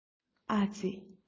ཨ ཙི